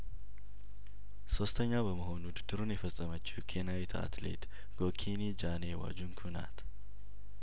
ሶስተኛ በመሆን ውድድሩን የፈጸመችው ኬንያዊቷ አትሌት ጐኪኒ ጃኔዋን ጁኩ ናት